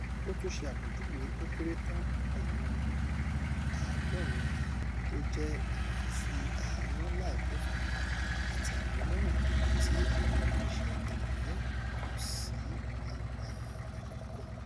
Ó tún ṣe àpéjúwe ó kéré tàn ọ̀ràn 70 tó jẹ́ "ìfisí àhámọ́ láìbófinmu", àti àwọn ẹlẹ́wọ̀n tí àwọn oníṣẹ́ ọ̀tẹlẹ̀múyẹ́ kò sí àwọn àyè ìkọ̀kọ̀.